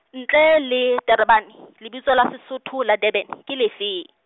ntle le Tarabane, lebitso la Sesotho la Durban , ke le lefe?